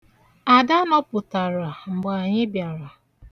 Ada nọpụtara mgbe anyị bịara.